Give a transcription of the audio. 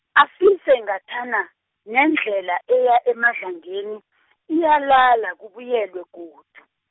afise ngathana, nendlela eya eMadlangeni , iyalala kubuyelwe godu.